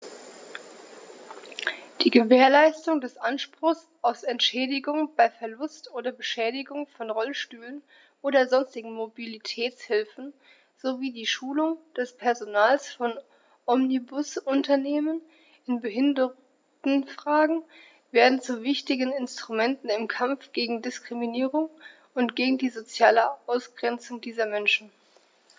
Die Gewährleistung des Anspruchs auf Entschädigung bei Verlust oder Beschädigung von Rollstühlen oder sonstigen Mobilitätshilfen sowie die Schulung des Personals von Omnibusunternehmen in Behindertenfragen werden zu wichtigen Instrumenten im Kampf gegen Diskriminierung und gegen die soziale Ausgrenzung dieser Menschen.